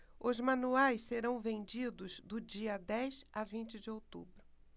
os manuais serão vendidos do dia dez a vinte de outubro